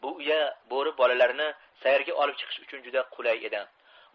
bu uya bo'ri bolalarini sayrga olib chiqish uchun juda qulay edi